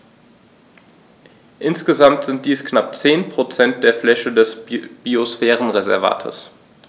Insgesamt sind dies knapp 10 % der Fläche des Biosphärenreservates.